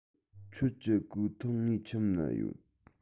ཁྱོད ཀྱི གོས ཐུང ངའི ཁྱིམ ན ཡོད